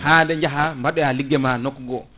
ha nde jaaha mbaɗoya ligguey ma nokku go